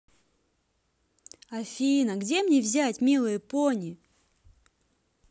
афина где мне взять милые пони